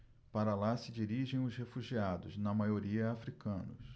para lá se dirigem os refugiados na maioria hútus